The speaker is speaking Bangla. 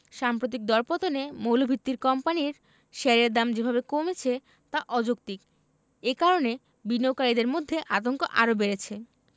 সাম্প্রতিক দরপতনে মৌলভিত্তির কোম্পানির শেয়ারের দাম যেভাবে কমেছে তা অযৌক্তিক এ কারণে বিনিয়োগকারীদের মধ্যে আতঙ্ক আরও বেড়েছে